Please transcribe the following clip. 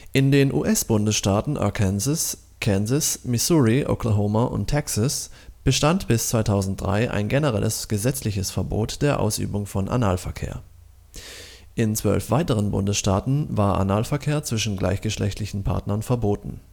In den US-Bundesstaaten Arkansas, Kansas, Missouri, Oklahoma und Texas bestand bis 2003 ein generelles gesetzliches Verbot der Ausübung von Analverkehr. In zwölf weiteren Bundesstaaten war Analverkehr zwischen gleichgeschlechtlichen Partnern verboten